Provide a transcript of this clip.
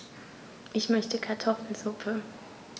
Ich möchte Kartoffelsuppe.